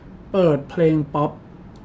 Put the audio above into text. เปิดเพลงป๊อป